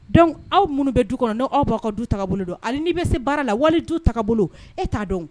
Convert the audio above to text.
Dɔnku aw minnu bɛ du kɔnɔ' aw b' ka du ta bolo don hali n'i bɛ se baara la wali du ta bolo e t'a dɔn